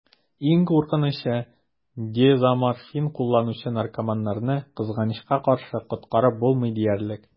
Иң куркынычы: дезоморфин кулланучы наркоманнарны, кызганычка каршы, коткарып булмый диярлек.